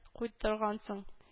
Куйдыргансың